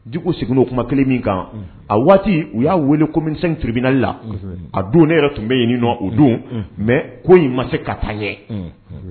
Dugu sigilen o kuma kelen min kan a waati u y'a wele komitiribinali la a don ne yɛrɛ tun bɛ yen nɔ o don mɛ ko in ma se ka taa ɲɛ